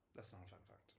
That's not a fun fact.